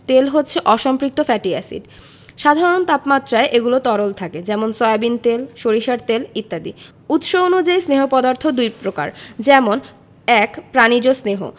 তেল হচ্ছে অসম্পৃক্ত ফ্যাটি এসিড সাধারণ তাপমাত্রায় এগুলো তরল থাকে যেমন সয়াবিন তেল সরিষার তেল ইত্যাদি উৎস অনুযায়ী স্নেহ পদার্থ দুই প্রকার যেমন ১. প্রাণিজ স্নেহ